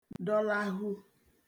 dọlahu